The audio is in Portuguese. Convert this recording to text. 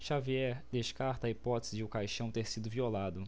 xavier descarta a hipótese de o caixão ter sido violado